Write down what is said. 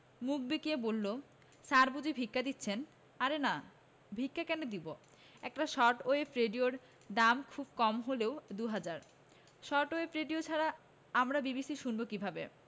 মুখ বেঁকিয়ে বলল স্যার বুঝি ভিক্ষা দিচ্ছেন আরে না ভিক্ষা কেন দিব একটা শর্ট ওয়েভ রেডিওর দাম খুব কম হলেও দু হাজার শর্ট ওয়েভ রেডিও ছাড়া আমরা বিবিসি শুনব কিভাবে